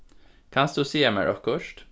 kanst tú siga mær okkurt